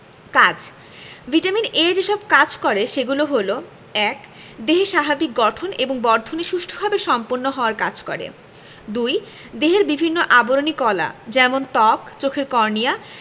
কাজ vitamin A যেসব কাজ করে সেগুলো হলো ১. দেহের স্বাভাবিক গঠন এবং বর্ধন সুষ্ঠুভাবে সম্পন্ন হওয়ার কাজ নিশ্চিত করে ২. দেহের বিভিন্ন আবরণী কলা যেমন ত্বক চোখের কর্নিয়া